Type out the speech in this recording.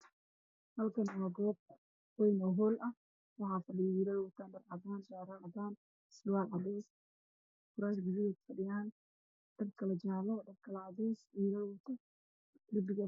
Halkaan waa goob wayn oo hool waxaa fadhiyo wiilal wataan shaarar cadaan ah iyo surwaal cadeys ah, kuraasman buluug ah ayay kufadhiyaan, dad kale jaale, dadna cadeys wiilal na darbiga ayay fadhiyaan.